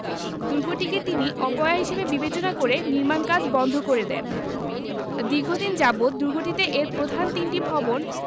দুর্গটিকে তিনি অপয়া হিসেবে বিবেচনা করে নির্মাণ কাজ বন্ধ করে দেন দীর্ঘদিন যাবৎ দুর্গটিতে এর প্রধান তিনটি ভবন